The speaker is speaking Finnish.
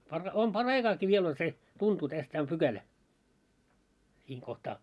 - on paraikaakin vielä on se tuntuu tässä tämä on pykälä siinä kohtaa